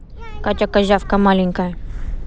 катя козявка маленькая